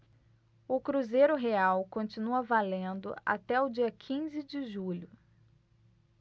o cruzeiro real continua valendo até o dia quinze de julho